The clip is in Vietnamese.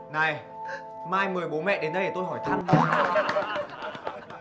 này mai mời bố mẹ đến đây để tôi hỏi thăm nhớ